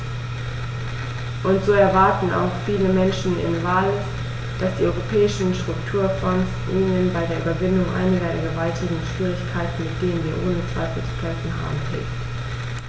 Und so erwarten auch viele Menschen in Wales, dass die Europäischen Strukturfonds ihnen bei der Überwindung einiger der gewaltigen Schwierigkeiten, mit denen wir ohne Zweifel zu kämpfen haben, hilft.